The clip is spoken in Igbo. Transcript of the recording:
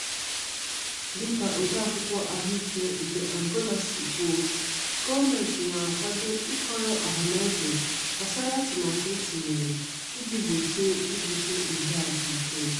Dịka Odeakwụkwọ Ahụike nke Angola si kwuo, gọọmentị na-akwado ịkọrọ ọhanaeze gbasara atụmatụ e tinyere iji gbochie ibute nje a dị ike.